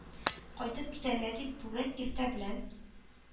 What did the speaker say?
Кайтып китәргә дип бүген иртә белән